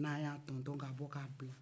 n'a y'a tɔntɔn k'a bɔ k'a bila